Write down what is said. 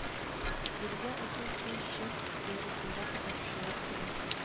Бирегә озын көй җыр бәйгесендә катнашучылар килә